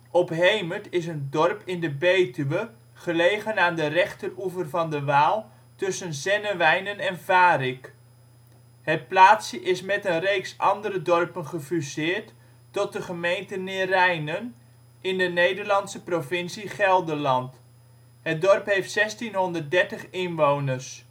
Ophemert is een dorp in de Betuwe gelegen aan de rechteroever van de Waal tussen Zennewijnen en Varik. Het plaatsje is met een reeks andere dorpen gefuseerd tot de gemeente Neerijnen in de Nederlandse provincie Gelderland. Het dorp heeft 1630 inwoners